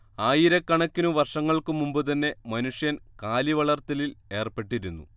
ആയിരക്കണക്കിനു വർഷങ്ങൾക്കു മുമ്പുതന്നെ മനുഷ്യൻ കാലി വളർത്തലിൽ ഏർപ്പെട്ടിരുന്നു